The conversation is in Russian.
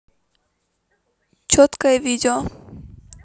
четкое видео